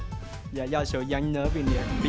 do sự giãn nở vì